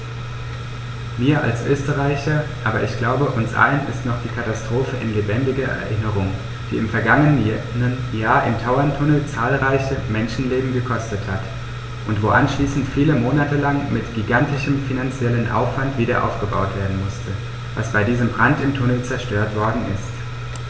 Mir als Österreicher, aber ich glaube, uns allen ist noch die Katastrophe in lebendiger Erinnerung, die im vergangenen Jahr im Tauerntunnel zahlreiche Menschenleben gekostet hat und wo anschließend viele Monate lang mit gigantischem finanziellem Aufwand wiederaufgebaut werden musste, was bei diesem Brand im Tunnel zerstört worden ist.